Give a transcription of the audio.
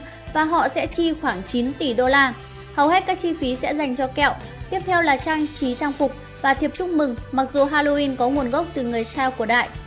và họ sẽ chi khoảng tỷ đô la hầu hết các chi phí sẽ dành cho kẹo tiếp theo là trang trí trang phục và thiệp chúc mừng mặc dù halloween có nguồn gốc từ người celt cổ đại